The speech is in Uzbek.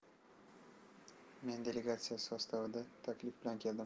men delegatsiya sostavida taklif bilan keldim